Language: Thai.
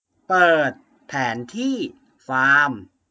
เปิดแผนที่ฟาร์ม